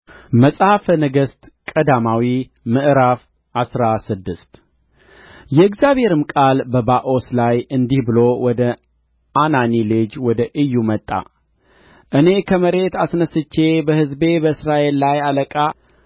መጽሐፈ ነገሥት ቀዳማዊ ምዕራፍ አስራ ስድስት የእግዚአብሔርም ቃል በባኦስ ላይ እንዲህ ብሎ ወደ አናኒ ልጅ ወደ ኢዩ መጣ እኔ ከመሬት አስነሥቼ በሕዝቤ በእስራኤል ላይ አለቃ